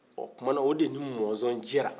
ɔ o tumana o de ni mɔnzɔn jɛra